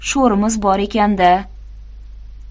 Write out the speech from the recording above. sho'rimiz bor ekan da